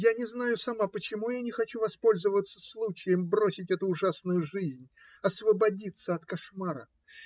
Я не знаю сама, почему я не хочу воспользоваться случаем бросить эту ужасную жизнь, освободиться от кошмара.